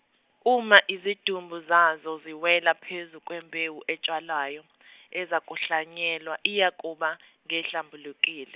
uma izidumbu zazo ziwela phezu kwembewu etshalwayo , ezakuhlanyelwa iyakuba ngehlambulukile.